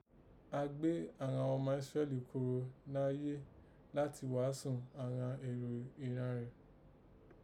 A gbé àghan ọma Ísírẹ́lì kóòró nayé láti ghásẹ́ sí àghan èrò ìran ghan